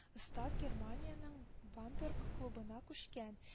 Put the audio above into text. Остаз германиянең бамберг клубына күчкән